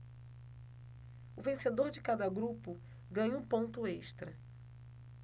o vencedor de cada grupo ganha um ponto extra